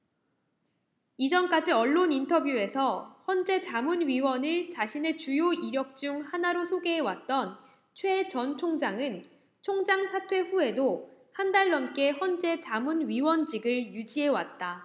이전까지 언론 인터뷰에서 헌재 자문위원을 자신의 주요 이력 중 하나로 소개해왔던 최 전 총장은 총장 사퇴 후에도 한달 넘게 헌재 자문위원직을 유지해왔다